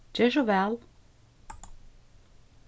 ger so væl